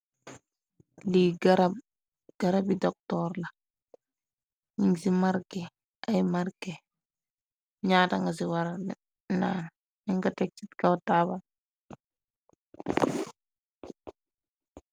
Li garabi doktor la ñingi ci marge ay marke ñaata nga ci waranaan nga. Teg cit kawa taabal.